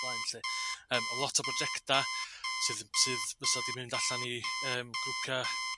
blaen 'llu yym lot o brojecta' sydd sydd fysa 'di mynd allan i yym grwpia'